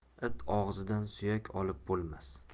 it og'zidan suyak olib bo'lmas